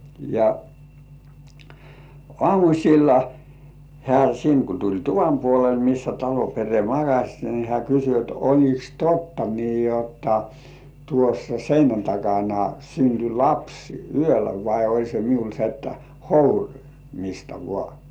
ja aamulla hän sinne kun tuli tuvan puolelle missä talon perhe makasi niin hän kysyi että oliko totta niin jotta tuossa seinän takana syntyi lapsi yöllä vai oli se minulla se että hourimista vain